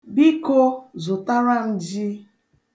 Biko, zụtara m ji.